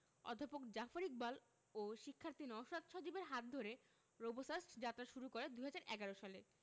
অধ্যাপক জাফর ইকবাল ও শিক্ষার্থী নওশাদ সজীবের হাত ধরে রোবোসাস্ট যাত্রা শুরু করে ২০১১ সালে